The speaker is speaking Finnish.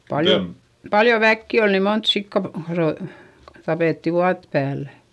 paljon paljon väkeä oli niin monta sikaa - tapettiin vuotta päällä